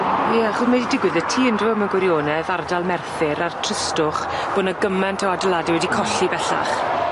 Ie acho mae 'di digwydd y ti yndyw e mewn gwirionedd ardal Merthyr a'r tristwch bo' 'ny gyment o adeilade wedi colli bellach.